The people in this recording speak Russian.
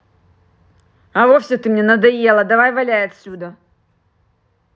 а вовсе ты мне надоела давай валяй отсюда